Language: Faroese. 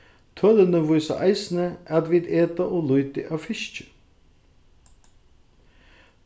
tølini vísa eisini at vit eta ov lítið av fiski